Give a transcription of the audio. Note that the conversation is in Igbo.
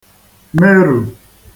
merù